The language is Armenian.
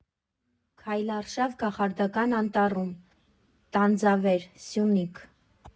Քայլարշավ կախարդական անտառում, Տանձավեր, Սյունիք։